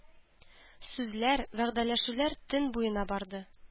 Сүзләр, вәгъдәләшүләр төн буена барды.